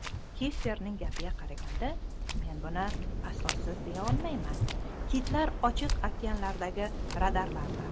kifferning gapiga qaraganda men buni asossiz deya olmayman kitlar ochiq okeanlardagi radarlardir